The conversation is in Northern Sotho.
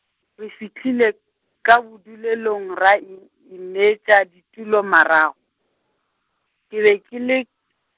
re fihlile, ka bodulelong ra i-, imetša ditulo marago, ke be ke le.